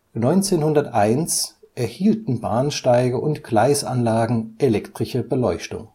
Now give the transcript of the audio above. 1901 erhielten Bahnsteige und Gleisanlagen elektrische Beleuchtung